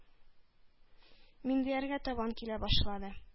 Миндиярга табан килә башлады.